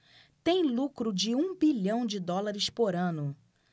tem lucro de um bilhão de dólares por ano